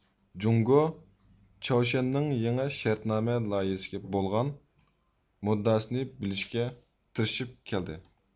جۇڭگو چاۋشيەننىڭ يېڭى شەرتنامە لايىھىسىگە بولغان مۇددىئاسىنى بىلىشكە تىرىشىپ كەلدى